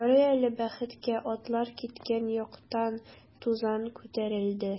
Ярый әле, бәхеткә, атлар киткән яктан тузан күтәрелде.